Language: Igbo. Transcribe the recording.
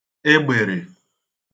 egbere